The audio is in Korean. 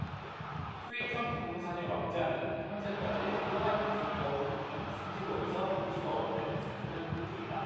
수익형 부동산의 왕좌는 현재까지 꼬마 빌딩이라고 불리는 삼십 억 에서 오십 억 원대 중소형 빌딩이다